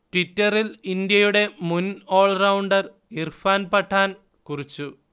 ട്വിറ്ററിൽ ഇന്ത്യയുടെ മുൻ ഓൾറൗണ്ടർ ഇർഫാൻ പഠാൻ കുറിച്ചു